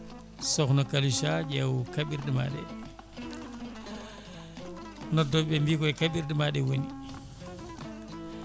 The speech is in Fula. sokhna Kalisa ƴeew kaɓirɗe ma ɗe noddoɓe mbi koye kaɓirɗe maɗe gooni